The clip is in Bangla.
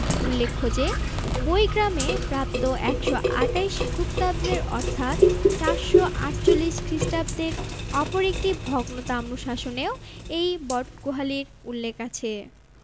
উল্লেখ্য যে বৈগ্রামে প্রাপ্ত ১২৮ গুপ্তাব্দের অর্থাৎ ৪৪৮ খ্রিস্টাব্দের অপর একটি ভগ্ন তাম্রশাসনেও এই বটগোহালীর উল্লেখ আছে